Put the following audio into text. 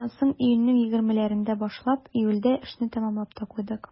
Сабантуйдан соң, июньнең 20-ләрендә башлап, июльдә эшне тәмамлап та куйдык.